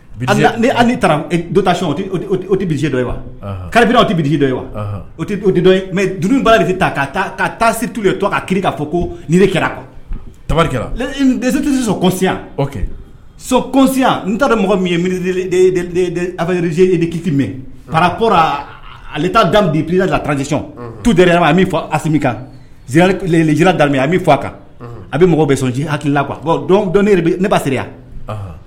Taara tɛbisi dɔ ye wa kariina o tɛbi dɔ ye wa mɛ dunun' de tɛ ta ka taatu ye to ka ki k'a fɔ ko kɛra tari kɛra de tɛ tɛ sɔnsi so kosiya n taara dɔn mɔgɔ min ye mize ni kiti mɛn para kora ale taa dapla larazc tu de ma a min fɔ a kanji dami a min fɔ a kan a bɛ mɔgɔ bɛsonji hakilila qu ne ba se